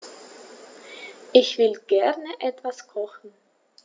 Ich will gerne etwas kochen.